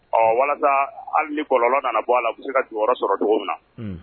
Ɔɔ walasa hali ni kɔlɔn nana bɔ a la, a bi se ka jɔyɔrɔ sɔrɔ cogo min na.